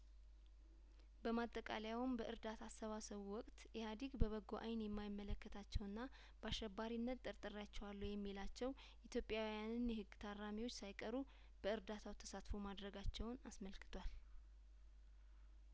በማጠቃለያውም በእርዳታ አሰባሰቡ ወቅት ኢህአዲግ በበጐ አይን የማይመለከታቸውና በአሸባሪነት ጠርጥሬያቸዋለሁ የሚላቸው ኢትዮጵያውያንን የህግ ታራሚዎች ሳይቀሩ በእርዳታው ተሳትፎ ማድረጋቸውን አስመልክቷል